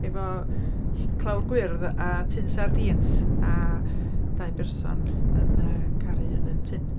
Efo ll- clawr gwyrdd a tun sardîns a dau berson yn caru yn y tun.